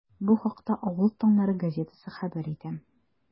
Бу хакта “Авыл таңнары” газетасы хәбәр итә.